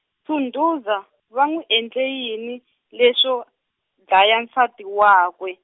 Sundhuza va n'wi endle yini, leswo, dlaya nsati wakwe?